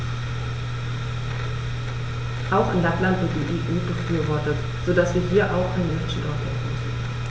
Auch in Lappland wird die EU befürwortet, so dass wir hier auch an die Menschen dort denken müssen.